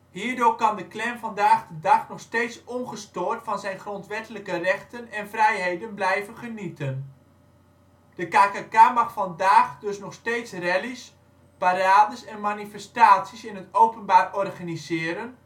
Hierdoor kan de Klan vandaag de dag nog steeds ongestoord van zijn grondwettelijke rechten en vrijheden blijven genieten. De KKK mag vandaag dus nog steeds rallies, parades en manifestaties in het openbaar organiseren